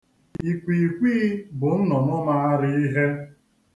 Ikwiikwii bụ nnụnụ maara ihe.